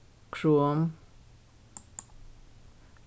chrome